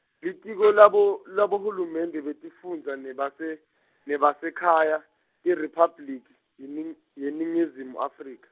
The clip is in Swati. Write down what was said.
Litiko labo- lwaboHulumende betiFundza nebase- nebaseKhaya, IRiphabliki, yening- yeNingizimu Afrika.